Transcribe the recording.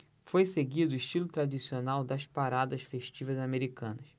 foi seguido o estilo tradicional das paradas festivas americanas